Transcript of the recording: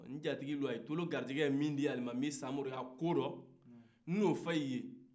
n jatigilu ayi tolo garijɛgɛ min di alimami samori y'a ko dɔ n n'o fɔ ayi ye